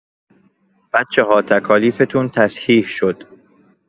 بچه‌ها تکالیفتون تصحیح شد.